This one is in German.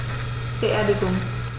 Beerdigung